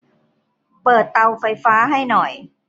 เปิดเตาไฟฟ้าให้หน่อย